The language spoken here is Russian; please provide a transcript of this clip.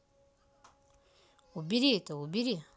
убери это убери